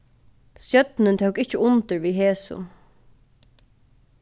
stjórnin tók ikki undir við hesum